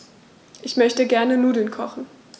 Ich möchte gerne Nudeln kochen.